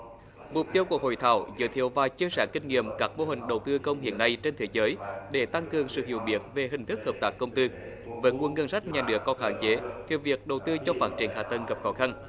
mục tiêu của hội thảo giới thiệu và chia sẻ kinh nghiệm các mô hình đầu tư công hiện nay trên thế giới để tăng cường sự hiểu biết về hình thức hợp tác công tư về nguồn ngân sách nhà nước còn hạn chế tiêu việc đầu tư cho phát triển hạ tầng gặp khó khăn